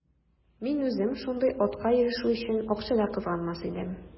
Мин үзем шундый атка ирешү өчен акча да кызганмас идем.